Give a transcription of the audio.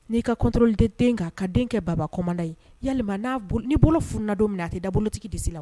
N'i ka controle tɛ den kan , ka den kɛ baba commandant yalima n'a ni bolo funu na don minna, a tɛ da bolotigi disi la wa?